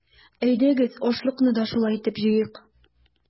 Әйдәгез, ашлыкны да шулай итеп җыйыйк!